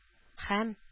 Һәм